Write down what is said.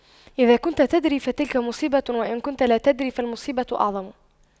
إذا كنت تدري فتلك مصيبة وإن كنت لا تدري فالمصيبة أعظم